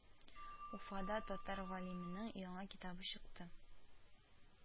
Уфада татар галименең яңа китабы чыкты